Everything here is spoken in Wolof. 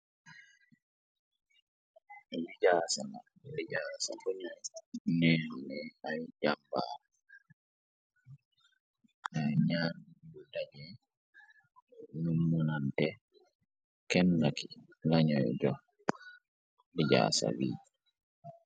Lujaasa na lijaasa koñuy neernee ay jàmbaar a ñaan bu dañu. Nyu munante kennnaki dañuy jox lijaasa bii.